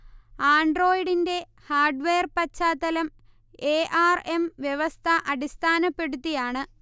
ആൻഡ്രോയ്ഡിന്റെ hardware പശ്ചാത്തലം A. R. M. വ്യവസ്ഥ അടിസ്ഥാനപ്പെടുത്തിയാണ്